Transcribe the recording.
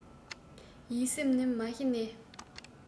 ཡིད སེམས ནི མ གཞི ནས